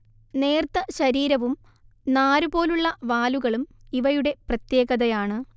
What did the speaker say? നേർത്ത ശരീരവും നാരുപോലുള്ള വാലുകളും ഇവയുടെ പ്രത്യേകതയാണ്